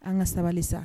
An ka sabali sa